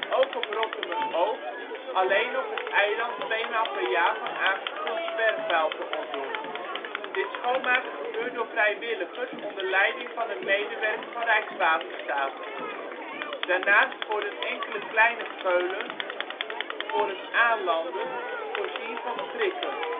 ook op Rottumeroog alleen nog het eiland tweemaal per jaar van aangespoeld zwerfvuil te ontdoen. Dit schoonmaken gebeurt door vrijwilligers onder leiding van een medewerker van Rijkswaterstaat. Daarnaast worden enkele kleine geulen voor het aanlanden voorzien van prikken